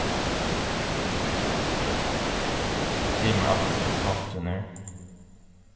sig mær aftur hvør pápi tín er